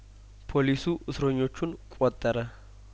ፖሊሱ እስረኞቹን ቆጠረ